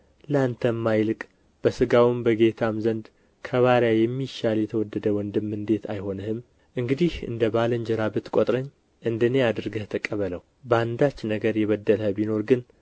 ለአንተማ ይልቅ በስጋውም በጌታም ዘንድ ከባሪያ የሚሻል የተወደደ ወንድም እንዴት አይሆንም እንግዲህ እንደ ባልንጀራ ብትቈጥረኝ እንደ እኔ አድርገህ ተቀበለው በአንዳች ነገር የበደለህ ቢኖር ግን